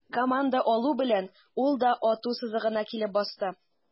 Команда булу белән, ул да ату сызыгына килеп басты.